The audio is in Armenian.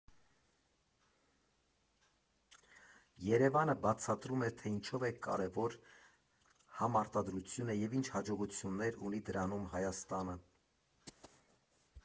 ԵՐԵՎԱՆը բացատրում է, թե ինչով է կարևոր համարտադրությունը և ինչ հաջողություններ ունի դրանում Հայաստանը։